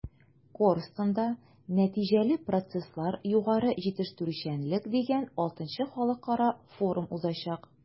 “корстон”да “нәтиҗәле процесслар-югары җитештерүчәнлек” дигән vι халыкара форум узачак.